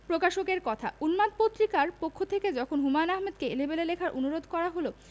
প্রকাশকের কথা উন্মাদ পত্রিকার পক্ষথেকে যখন হুমায়ন আহমেদকে এলেবেলে লেখার অনুরোধে করা হল